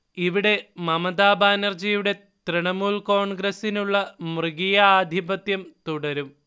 ഇവിടെ മമതാ ബാനർജിയുടെ തൃണമൂൽ കോൺഗ്രസിനുള്ള മൃഗീയ ആധിപത്യം തുടരും